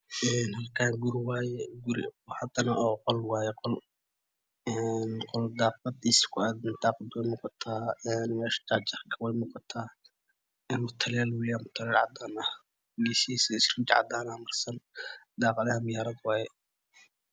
Halakaan guri wayee guri qol wayee qol daaqadiiza ku adantahy wayee meshaa jarka wey muu qataa mutuleel cadan uu leyahay geesihiisan rinji cadana marsan daqadaha muyaarad wayee